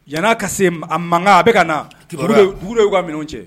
Yanana ka se a mankan a bɛka ka na buru ye' minnu cɛ